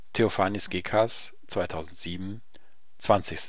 Theofanis Gekas, 2007, 20